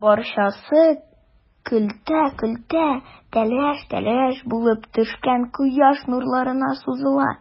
Барчасы көлтә-көлтә, тәлгәш-тәлгәш булып төшкән кояш нурларына сузыла.